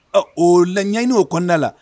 Ɔ o laɲɛɲini o kɔnɔna la.